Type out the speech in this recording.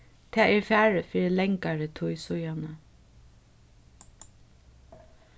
tað er farið fyri langari tíð síðani